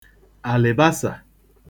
àlị̀basà